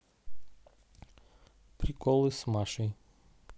приколы с машей